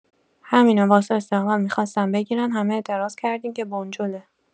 همینو واسه استقلال می‌خواستن بگیرن همه اعتراض کردین که بنجله